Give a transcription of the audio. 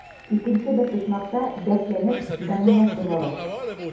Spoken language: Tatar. Икенче бер почмакта, дәртләнеп, домино сугалар.